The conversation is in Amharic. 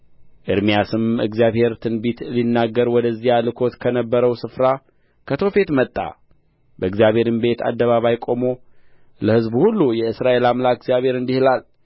ኤርምያስም እግዚአብሔር ትንቢት ሊናገር ወደዚያ ልኮት ከነበረው ስፍራ ከቶፌት መጣ በእግዚአብሔርም ቤት አደባባይ ቆሞ ለሕዝብ ሁሉ የእስራኤል አምላክ እግዚአብሔር እንዲህ ይላል